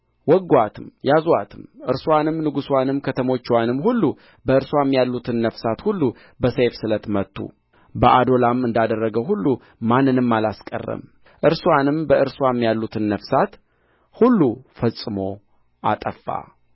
ወጉአትም ያዙአትም እርስዋንም ንጉሥዋንም ከተሞችዋንም ሁሉ በእርስዋም ያሉትን ነፍሳት ሁሉ በሰይፍ ስለት መቱ በኦዶላም እንዳደረገው ሁሉ ማንንም አላስቀረም እርስዋንም በእርስዋም ያሉትን ነፍሳት ሁሉ ፈጽሞ አጠፋ